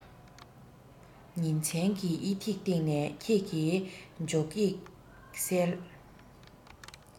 ཉིན མཚན གྱི དབྱེ ཐིག སྟེང ནས ཁྱེད ཀྱི འཇོ སྒེག གསལ